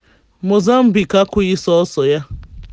Mozambique akwụghị sọọsọ ya.